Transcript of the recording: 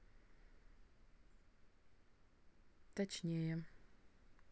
точнее